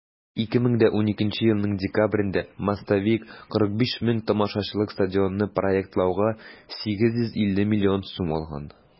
2012 елның декабрендә "мостовик" 45 мең тамашачылык стадионны проектлауга 850 миллион сум алган.